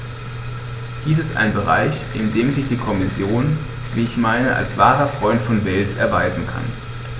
Dies ist ein Bereich, in dem sich die Kommission, wie ich meine, als wahrer Freund von Wales erweisen kann.